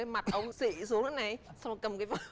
mặt ông ấy xị xuống thế này xong rồi cầm cái vợt